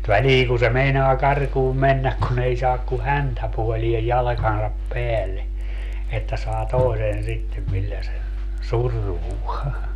väliin kun se meinaa karkuun mennä kun ei saa kuin häntäpuoleen jalkansa päälle että saa toisen sitten millä sen survoo